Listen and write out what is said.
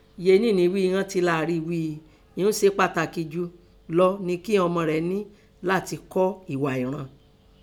Yèénì ni ghíi inọ́n ti lá rí ghíi ihun se pàtàkì jù lọ kínan ọmọ nẹ látin kọ́ nẹ ẹghà rian.